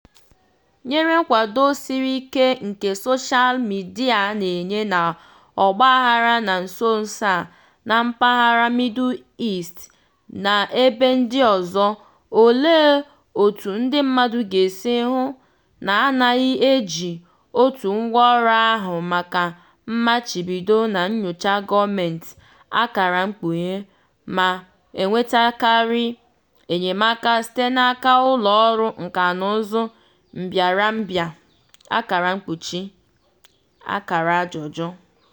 Nyere nkwado siri ike nke soshal midịa na-enye n'ọgbaghara na nso nso a na mpaghara Middle East na n'ebe ndị ọzọ, olee otú ndị mmadụ ga-esi hụ na anaghị eji otu ngwáọrụ ahụ maka mmachibido na nnyocha gọọmentị (ma enwekarị enyemaka site n'aka ụlọọrụ nkànaụzụ Mbịarambịa)?